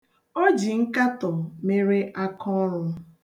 O ji nkatọ mere aka ọrụ.